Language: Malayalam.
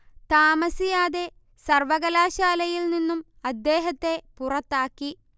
താമസിയാതെ സർവ്വകലാശാലയിൽ നിന്നും അദ്ദേഹത്തെ പുറത്താക്കി